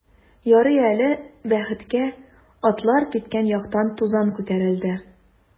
Ярый әле, бәхеткә, атлар киткән яктан тузан күтәрелде.